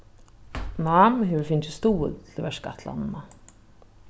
nám hevur fingið stuðul til verkætlanina